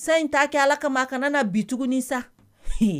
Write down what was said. San in ta kɛ Ala kama a kana na bi tukuni sa.